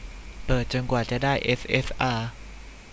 เปิดจนกว่าจะได้เอสเอสอา